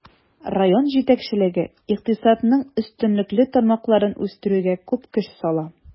Район җитәкчелеге икътисадның өстенлекле тармакларын үстерүгә күп көч сала.